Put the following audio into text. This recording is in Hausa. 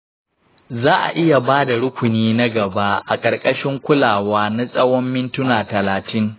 za a iya ba da rukuni na gaba a ƙarƙashin kulawa na tsawon mintuna talatin.